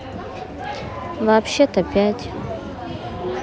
вообще то пять